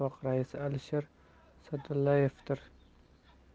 yoshlar ittifoqi raisi alisher sa'dullayevdir